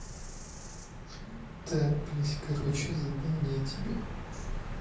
так блядь короче задание тебе